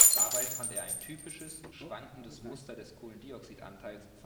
Dabei fand er ein typisches, schwankendes Muster des Kohlendioxidanteils